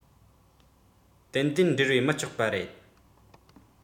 ཏན ཏན བྲེལ བས མི ལྕོགས པ རེད